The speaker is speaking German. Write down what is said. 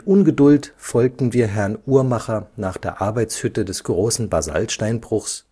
Ungeduld folgten wir Herrn Uhrmacher nach der Arbeitshütte des großen Basaltsteinbruchs,